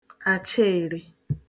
àchaère